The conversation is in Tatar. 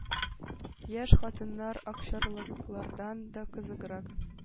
Яшь хатыннар акчарлаклардан да кызыграк,